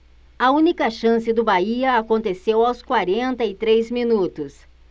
a única chance do bahia aconteceu aos quarenta e três minutos